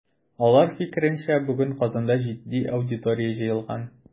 Алар фикеренчә, бүген Казанда җитди аудитория җыелган.